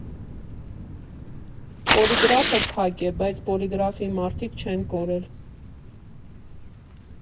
Պոլիգրաֆը փակ է, բայց Պոլիգրաֆի մարդիկ չեն կորել։